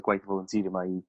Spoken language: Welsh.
y gwaith volunteerio 'ma